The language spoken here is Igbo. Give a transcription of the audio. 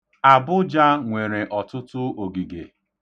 Abụja nwere ọtụtụ ogige.